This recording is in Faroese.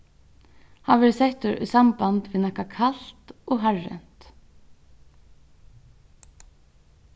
hann verður settur í samband við nakað kalt og harðrent